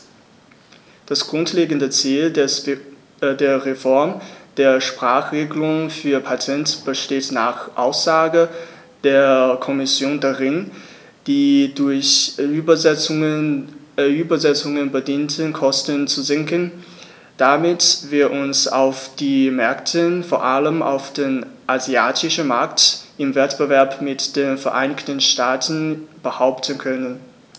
Das grundlegende Ziel der Reform der Sprachenregelung für Patente besteht nach Aussage der Kommission darin, die durch Übersetzungen bedingten Kosten zu senken, damit wir uns auf den Märkten, vor allem auf dem asiatischen Markt, im Wettbewerb mit den Vereinigten Staaten behaupten können.